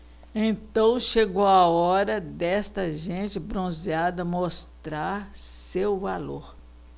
então chegou a hora desta gente bronzeada mostrar seu valor